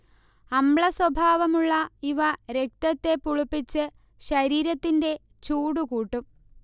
അമ്ലസ്വഭാവമുള്ള ഇവ രക്തത്തെ പുളിപ്പിച്ച് ശരീരത്തിന്റെ ചൂടു കൂട്ടും